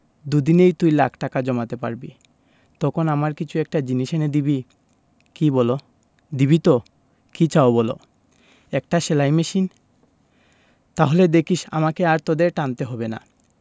দুদিনেই তুই লাখ টাকা জমাতে পারবি তখন আমার কিছু একটা জিনিস এনে দিবি কি বলো দিবি তো কি চাও বলো একটা সেলাই মেশিন তাহলে দেখিস আমাকে আর তোদের টানতে হবে না